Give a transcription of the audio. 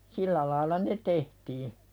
sillä lailla ne tehtiin